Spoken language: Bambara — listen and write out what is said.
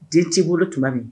Den'i bolo tuma min